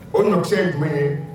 O nɔ ye jumɛn ye